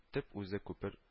Төп үзе күпер